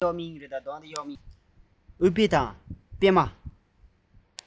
ཨུཏྤལ དང པདྨ